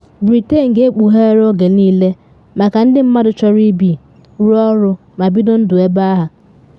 Britain ga-ekpughere oge niile maka ndị mmadụ chọrọ ibi, rụọ ọrụ ma bido ndụ ebe a.